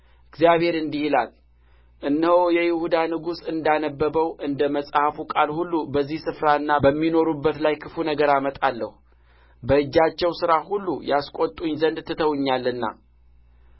እግዚአብሔር እንዲህ ይላል ወደ እኔ ለላካችሁ ሰው እንዲህ ብላችሁ ንገሩት እግዚአብሔር እንዲህ ይላል እነሆ የይሁዳ ንጉሥ እንዳነበበው እንደ መጽሐፉ ቃል ሁሉ በዚህ ስፍራና በሚኖሩበት ላይ ክፉ ነገር አመጣለሁ በእጃቸው ሥራ ሁሉ ያስቈጡኝ ዘንድ ትተውኛልና